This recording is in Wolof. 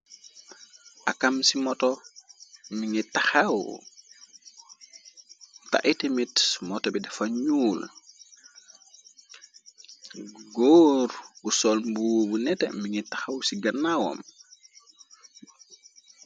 Akam ci moto mi ngi taxaw taiti mit moto bi dafa ñuul. Góor gu sol mbuu bu nete mi ngi taxaw ci gannaawoom.